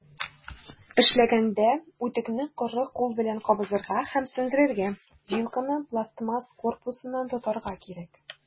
Эшләгәндә, үтүкне коры кул белән кабызырга һәм сүндерергә, вилканы пластмасс корпусыннан тотарга кирәк.